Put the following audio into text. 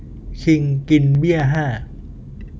คิงกินเบี้ยห้า